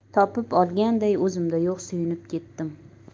topib olganday o'zimda yo'q suyunib ketdim